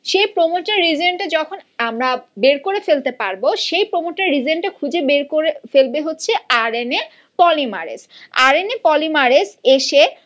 সেই promoter region টা যখন আমরা বের করে ফেলতে পারব সেই প্রমোটার রিজিওন টা খুজে বে করবে হচ্ছে R N A polymerase R N A polymerase এসে